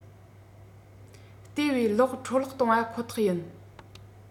དེ བས གློག འཕྲོ བརླག གཏོང བ ཁོ ཐག ཡིན